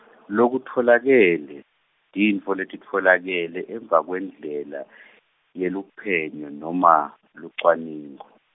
lokutfolakele, tintfo letitfolakele emva kwendlela , yeluphenyo noma, lucwaningo.